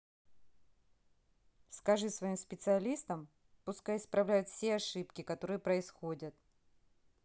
скажи своим специалистом пускай исправляют все ошибки которые происходят